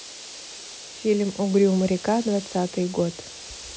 фильм угрюм река двадцатый год